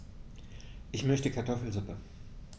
Ich möchte Kartoffelsuppe.